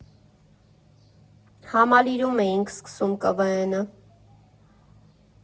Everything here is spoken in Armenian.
Համալիրում էինք սկսում ԿՎՆ֊ը։